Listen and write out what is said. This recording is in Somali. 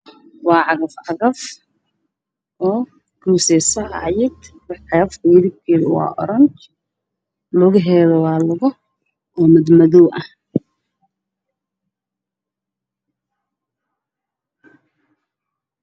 Halkaan waxaa ka muuqdo caga cagaf orange ah